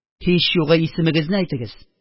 – һич югы, исемегезне әйтегез.